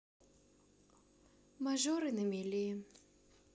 мажоры на мели